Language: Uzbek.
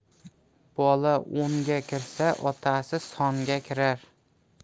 bola o'nga kirsa otasi songa kirar